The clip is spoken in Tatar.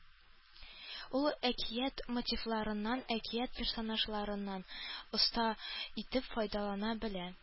Ул әкият мотивларыннан, әкият персонажларыннан оста итеп файдалана белә